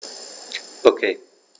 Okay.